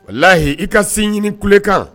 Lahiyi i ka se ɲini kule kan